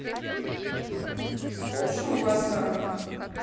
скучно у вас как